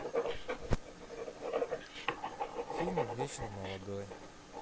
фильм вечно молодой